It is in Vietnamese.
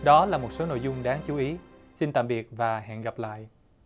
đó là một số nội dung đáng chú ý xin tạm biệt và hẹn gặp lại